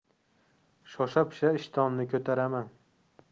shosha pisha ishtonni ko'taraman